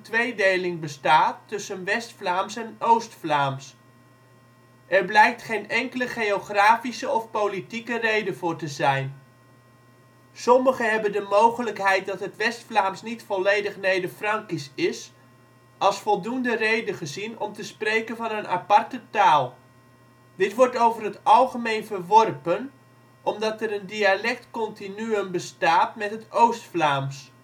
tweedeling bestaat tussen West-Vlaams en Oost-Vlaams: er blijkt geen enkele geografische of politieke reden voor te zijn. Sommigen hebben de mogelijkheid dat het West-Vlaams niet volledig Nederfrankisch is als voldoende reden gezien om te spreken van een aparte taal. Dit wordt over het algemeen verworpen omdat er een dialectcontinuüm bestaat met het Oost-Vlaams